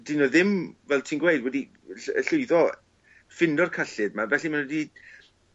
'dyn n'w ddim fel ti'n gweud wedi wedi yy llwyddo ffindo'r cyllid 'ma felly ma' n'w 'di